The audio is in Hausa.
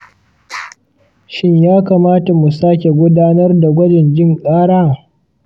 shin ya kamata mu sake gudanar da gwajin jin kara?